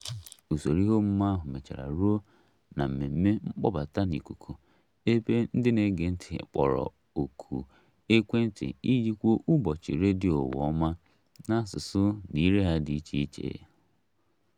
Usoro ihe omume ahụ mechara ruo na mmemme mkpọbata n'ikuku, ebe ndị na-ege ntị kpọrọ oku ekwentị iji kwuo "Ụbọchị Redio Ụwa Ọma" n'asụsụ na ire ha dị iche iche: